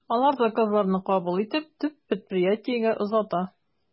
Алар заказларны кабул итеп, төп предприятиегә озата.